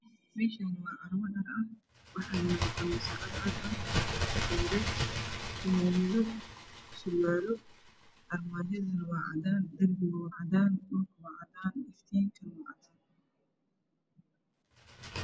Meeshaan waa carwo dhar ah waxaa yaalo qamiisyo cadcad. Suudad, fanaanado, surwaalo. Armaajadu waa cadaan darbiguna Waa cadaan nalku waa cadaan.